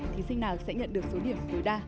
thí sinh nào sẽ nhận được số điểm tối đa